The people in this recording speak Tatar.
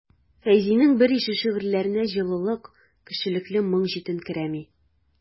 Фәйзинең берише шигырьләренә җылылык, кешелекле моң җитенкерәми.